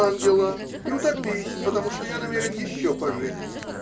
Ангела и утопись, потому что я намерен еще пожить.